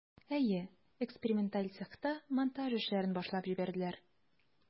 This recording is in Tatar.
Әйе, эксперименталь цехта монтаж эшләрен башлап җибәрделәр.